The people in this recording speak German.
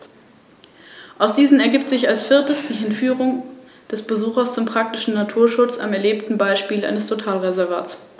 In seiner östlichen Hälfte mischte sich dieser Einfluss mit griechisch-hellenistischen und orientalischen Elementen.